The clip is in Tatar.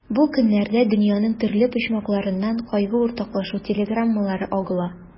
Бу көннәрдә дөньяның төрле почмакларыннан кайгы уртаклашу телеграммалары агыла.